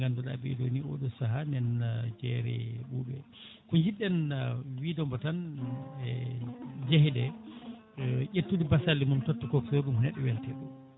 ganduɗa ɓeeɗo ni oɗo saaha nana jeere * ko jiɗɗen wiidemo tan e jeeheɗe ƴettude basalle mum totta coxeur ɗum ko neɗɗo welte ɗum